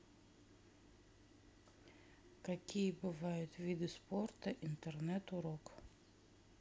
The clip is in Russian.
какие бывают виды спорта интернет урок